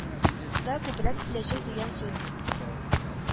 Да күбрәк киләчәк дигән сүз